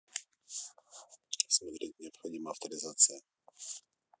смотреть необходима авторизация